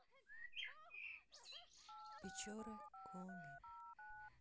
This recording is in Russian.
печора коми